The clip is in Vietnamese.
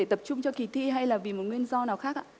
tập trung cho kì thi hay là vì một nguyên do nào khác ạ